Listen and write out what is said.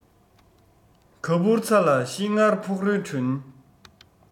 ག བུར ཚྭ ལ ཤིང མངར ཕུག རོན བྲུན